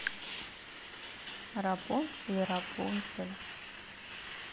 рапунцель рапунцель